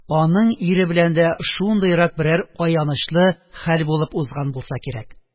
Аның ире белән дә шундыйрак берәр аянычлы хәл булып узган булса кирәк.